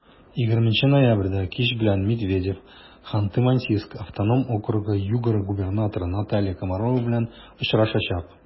20 ноябрьдә кич белән медведев ханты-мансийск автоном округы-югра губернаторы наталья комарова белән очрашачак.